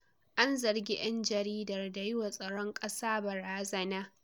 An zargi 'yan jaridar da yi wa tsaron ƙasa barazana